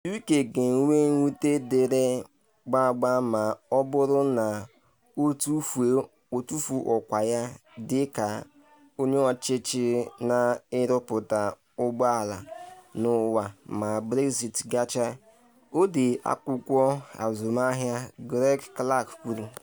UK “ga-enwe nwute dịịrị gaba” ma ọ bụrụ na o tufuo ọkwa ya dị ka onye ọchịchị n’ịrụpụta ụgbọ ala n’ụwa ma Brexit gachaa, Ọde Akwụkwọ Azụmahịa Greg Clark kwuru.